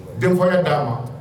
Denfaya d'a ma.